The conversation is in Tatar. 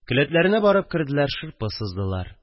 Келәтләренә барып керделәр, шырпы сыздылар